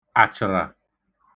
àchàrà